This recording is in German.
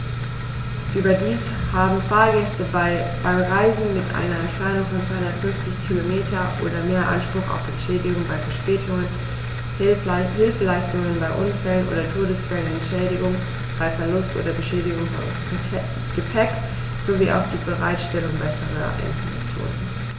Überdies haben Fahrgäste bei Reisen mit einer Entfernung von 250 km oder mehr Anspruch auf Entschädigung bei Verspätungen, Hilfeleistung bei Unfällen oder Todesfällen, Entschädigung bei Verlust oder Beschädigung von Gepäck, sowie auf die Bereitstellung besserer Informationen.